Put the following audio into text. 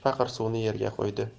paqir suvni yerga qo'ydi